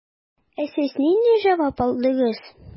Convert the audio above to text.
Ә сез нинди җавап алдыгыз?